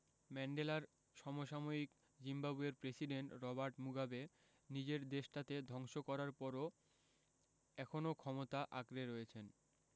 ম্যান্ডেলার সমসাময়িক জিম্বাবুয়ের প্রেসিডেন্ট রবার্ট মুগাবে নিজের দেশটাকে ধ্বংস করার পরও এখনো ক্ষমতা আঁকড়ে রয়েছেন